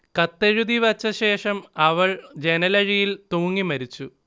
കത്തെഴുതി വച്ച ശേഷം അവൾ ജനലഴിയിൽ തൂങ്ങി മരിച്ചു